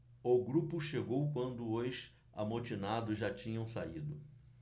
o grupo chegou quando os amotinados já tinham saído